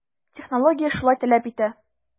Технология шулай таләп итә.